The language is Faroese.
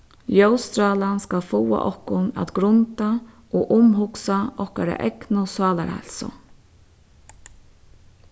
ljósstrálan skal fáa okkum at grunda og umhugsa okkara egnu sálarheilsu